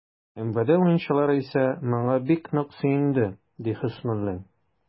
МВД уенчылары исә, моңа бик нык сөенде, ди Хөснуллин.